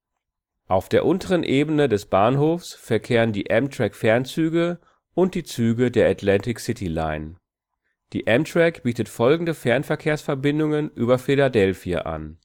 Auf der unteren Ebene des Bahnhofs verkehren die Amtrak-Fernzüge und die Züge der Atlantic City Line. Die Amtrak bietet folgende Fernverkehrsverbindungen über Philadelphia an